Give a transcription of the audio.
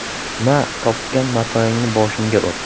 ma topgan matoingni boshingga ur